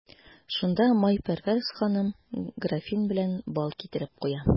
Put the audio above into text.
Шунда Майпәрвәз ханым графин белән бал китереп куя.